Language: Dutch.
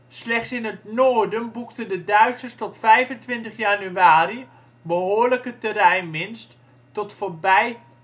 Slechts in het noorden boekten de Duitsers tot 25 januari behoorlijke terreinwinst tot voorbij